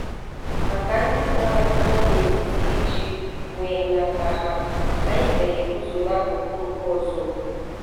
Maka ndị nọ n'etiti, iji nwe nhatanha, anyị ga-eguzo n'akụkụ nke ọzọ.